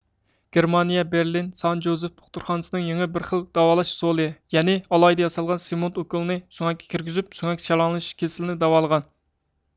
گېرمانىيە بېرلىن سان جوزىف دوختۇرخانىسى يېڭى بىر خىل داۋالاش ئۇسۇلى يەنى ئالاھىدە ياسالغان سېمونت ئوكۇل نى سۆڭەككە كىرگۈزۈپ سۆڭەك شالاڭلىشىش كېسىلىنى داۋالىغان